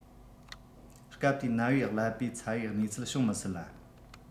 སྐབས དེའི ན བའི ཀླད པའི ཚ བའི གནས ཚུལ བྱུང མི སྲིད ལ